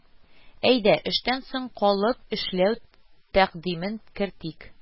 Әйдә, эштән соң калып эшләү тәкъдимен кертик